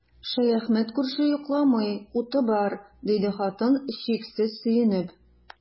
Шәяхмәт күрше йокламый, уты бар, диде хатын, чиксез сөенеп.